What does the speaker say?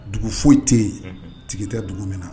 Dugu foyi tɛ yen tigi tɛ dugu min na